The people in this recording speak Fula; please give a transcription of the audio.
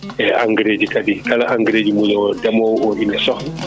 e engrais :fea ji kadi kala engaris mo ndemowo o ina sohla